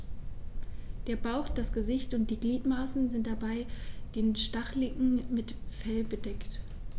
Der Bauch, das Gesicht und die Gliedmaßen sind bei den Stacheligeln mit Fell bedeckt.